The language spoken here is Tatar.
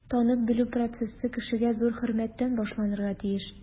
Танып-белү процессы кешегә зур хөрмәттән башланырга тиеш.